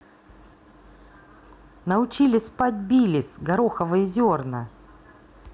научили спать billys гороховые зерна